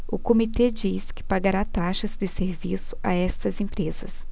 o comitê diz que pagará taxas de serviço a estas empresas